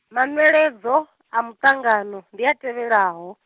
manweledzo, a muṱangano, ndi a tevhelaho.